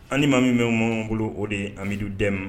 Anlima min bɛ minnu bolo o de amibidu dɛmɛ ma